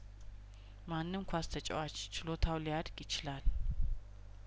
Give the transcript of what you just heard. ማንም ኳስ ተጫዋች ችሎታው ሊያድግ ይችላል